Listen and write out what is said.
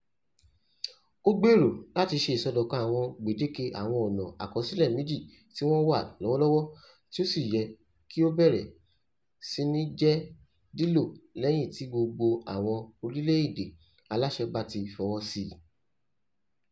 Ó gbèrò láti ṣe ìṣọdọ̀kan àwọn gbèdéke àwọn ọ̀nà àkọsílẹ̀ méjì tí wọ́n wà lọ́wọ́lọ́wọ́ tí ó sì yẹ kí ó bẹ̀rẹ̀ sí ní jẹ́ lílò lẹ́yìn tí gbogbo àwọn orílẹ̀-èdè aláṣẹ bá ti fọwọ́ síi.